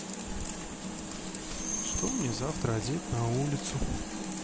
что мне завтра одеть на улицу